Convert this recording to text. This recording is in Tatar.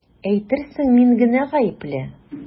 Әйтерсең мин генә гаепле!